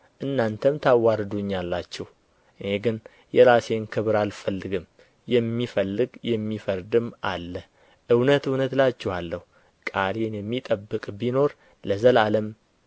እናንተም ታዋርዱኛላችሁ እኔ ግን የራሴን ክብር አልፈልግም የሚፈልግ የሚፈርድም አለ እውነት እውነት እላችኋለሁ ቃሌን የሚጠብቅ ቢኖር ለዘላለም